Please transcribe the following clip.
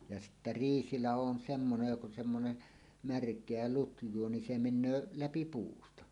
ja sitten riisilaho on semmoinen joka on semmoinen märkää lutjaa niin se menee läpi puusta